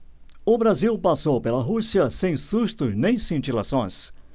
o brasil passou pela rússia sem sustos nem cintilações